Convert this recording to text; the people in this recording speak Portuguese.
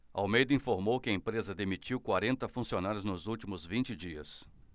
almeida informou que a empresa demitiu quarenta funcionários nos últimos vinte dias